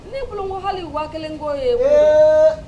Ne bulon halili wa kelen kɔ ye wa